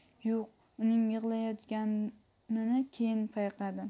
yo'q uning yig'layotganini keyin payqadim